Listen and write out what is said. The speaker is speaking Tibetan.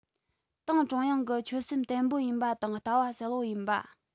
ཏང ཀྲུང དབྱང གི ཆོད སེམས བརྟན པོ ཡིན པ དང ལྟ བ གསལ པོ ཡིན པ